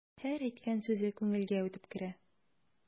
Һәр әйткән сүзе күңелгә үтеп керә.